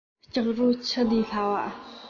སྐྱག རོ ཆུ ལས སླ བ